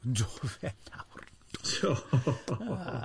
Yndo fe nawr!